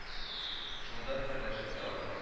Шунда серләшеп тә алырбыз